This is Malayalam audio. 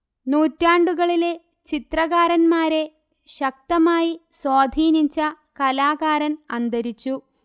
നൂറ്റാണ്ടുകളിലെ ചിത്രകാരന്മാരെ ശക്തമായി സ്വാധീനിച്ച കലാകാരൻ അന്തരിച്ചു